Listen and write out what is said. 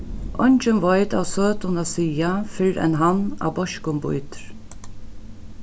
eingin veit av søtum at siga fyrr enn hann á beiskum bítur